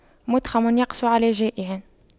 مُتْخَمٌ يقسو على جائع